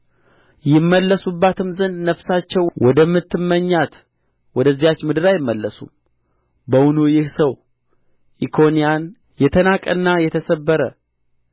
ይመለሱባትም ዘንድ ነፍሳቸው ወደምትመኛት ወደዚያች ምድር አይመለሱም በውኑ ይህ ሰው ኢኮንያን የተናቀና የተሰበረ የሸክላ ዕቃ ነውን ወይስ እርሱ ለአንዳች የማይረባ